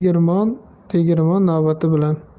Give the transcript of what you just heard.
tegirmon navbati bilan